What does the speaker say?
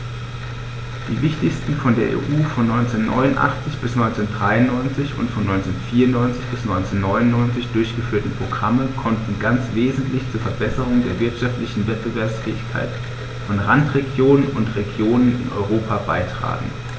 Die wichtigsten von der EU von 1989 bis 1993 und von 1994 bis 1999 durchgeführten Programme konnten ganz wesentlich zur Verbesserung der wirtschaftlichen Wettbewerbsfähigkeit von Randregionen und Regionen in Europa beitragen.